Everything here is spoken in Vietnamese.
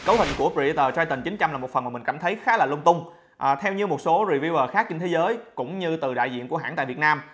cấu hình của predator triton một phần mà mình cảm thấy khá là lung tung theo như một số reviewer khác trên thế giới cũng như từ đại diện hãng tại việt nam